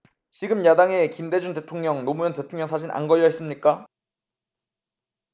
지금 야당에 김대중 대통령 노무현 대통령 사진 안 걸려 있습니까